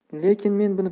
lekin men buni